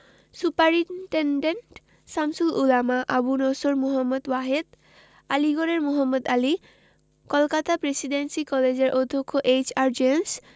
superintendent Shamsul Ulama Abu Nasr Muhammad Wahed আলীগড়ের Mohammad Ali Kolkata Presidency কলেজের অধ্যক্ষ এইচ.আর জেমস